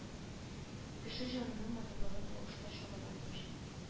Кеше җанының матурлыгы тавышта чагыла минемчә